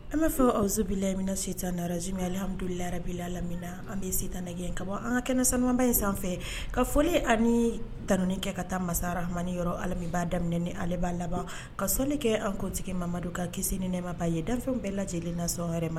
An bɛ fɛzbilamina sitan naraze alimdu rabila lammina an bɛ sitan nɛgɛgɛn ka bɔ an ka kɛnɛsanba in sanfɛ ka foli ani danuni kɛ ka taa masaramani yɔrɔ alami b'a daminɛ ni ale b'a laban ka sɔli kɛ an kotigi mamadu ka ki ni nɛma ba ye dan bɛɛ lajɛlen na s wɛrɛ ma